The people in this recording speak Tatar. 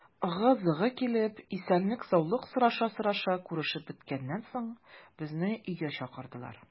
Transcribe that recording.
Ыгы-зыгы килеп, исәнлек-саулык сораша-сораша күрешеп беткәннән соң, безне өйгә чакырдылар.